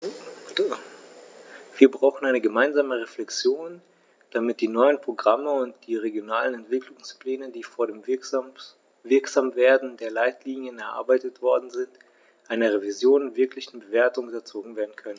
Wir brauchen eine gemeinsame Reflexion, damit die neuen Programme und die regionalen Entwicklungspläne, die vor dem Wirksamwerden der Leitlinien erarbeitet worden sind, einer Revision und wirklichen Bewertung unterzogen werden können.